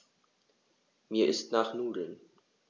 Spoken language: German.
Mir ist nach Nudeln.